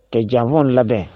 Ka janfanw labɛn